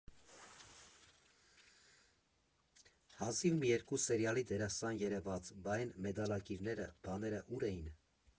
Հազիվ մի երկու սերիալի դերասան երևաց, բա էն մեդալակիրները, բաները, ու՞ր էին։